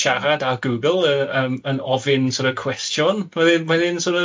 siarad ar Google yy yym yn ofyn sor' of cwestiwn, mae'n mae'n sor' of